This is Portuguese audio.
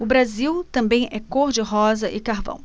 o brasil também é cor de rosa e carvão